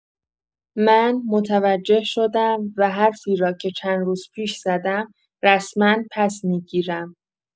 من متوجه شدم و حرفی را که چند روز پیش زدم، رسما پس‌می‌گیرم.